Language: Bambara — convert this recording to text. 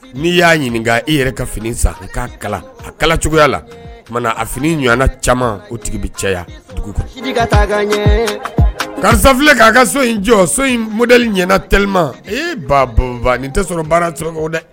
N'i y'a ɲininka i yɛrɛ ka fini san'a kala a kala cogoya la a fini ɲɔgɔnana caman o tigi bɛ caya ɲɛ karisa filɛ'a ka so in jɔ so in mod ɲɛana teelima ee ba nin tɛ sɔrɔ baaratura o dɛ